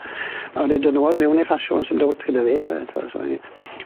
Ma'n neud o nôl mewn i ffasiwn sim dowt gyda fi yndyfe t'mo so fi